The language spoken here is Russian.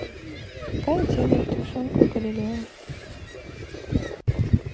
как делают тушенку галилео